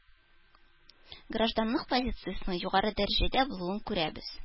Гражданлык позициясенең югары дәрәҗәдә булуын күрәбез